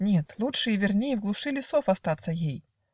нет, лучше и верней В глуши лесов остаться ей.